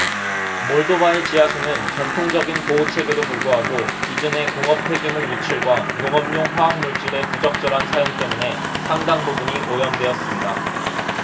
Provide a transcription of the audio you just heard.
몰도바의 지하수는 전통적인 보호책에도 불구하고 이전의 공업 폐기물 유출과 농업용 화학 물질의 부적절한 사용 때문에 상당 부분이 오염되었습니다